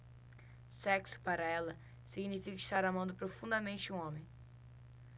sexo para ela significa estar amando profundamente um homem